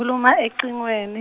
khuluma ecingweni.